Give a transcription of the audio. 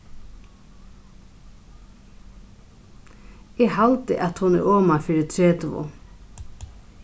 eg haldi at hon er oman fyri tretivu